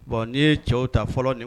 Bon n'i ye cɛw ta fɔlɔ nin